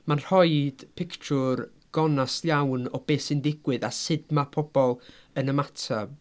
Mae'n rhoid pictiwr gonest iawn o be' sy'n digwydd a sut mae pobl yn ymateb.